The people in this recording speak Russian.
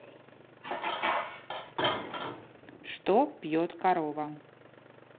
что пьет корова